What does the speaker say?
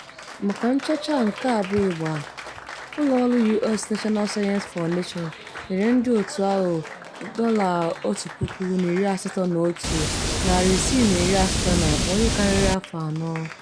Maka nchọcha nke a bụ ịgba, ụlọ ọrụ US National Science Foundation nyere ndị otu ahụ $181,682 ihe karịrị afọ anọ.